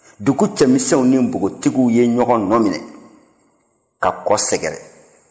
dugu cɛmisɛnw ni npogotigiw ye ɲɔgɔn nɔ minɛ ka kɔ sɛgɛrɛ